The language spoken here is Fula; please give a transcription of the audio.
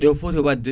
ɗe o foti wadde